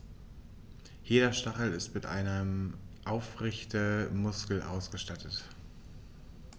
Jeder Stachel ist mit einem Aufrichtemuskel ausgestattet.